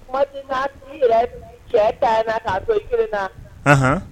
Mɔt' yɛrɛ cɛ ta ka so kelen na